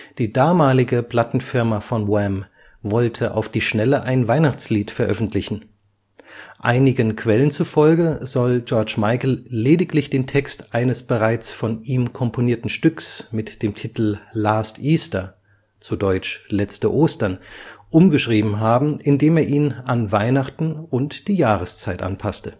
Die damalige Plattenfirma von Wham! wollte auf die Schnelle ein Weihnachtslied veröffentlichen. Einigen Quellen zufolge soll George Michael lediglich den Text eines bereits von ihm komponierten Stücks mit dem Titel „ Last Easter “(„ Letzte Ostern “) umgeschrieben haben, indem er ihn an Weihnachten und die Jahreszeit anpasste